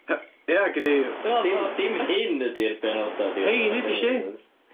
Ha- ia gei di... Dwi me'wl bo' ... Dim dim hyn ydi'r benoda diweddara... 'Hein edesh i!